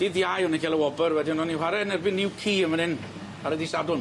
Dydd Iau o'n i'n ca'l y wobor wedyn o'n i'n chware yn erbyn Newquey yn fyn 'yn ar y dy' Sadwrn.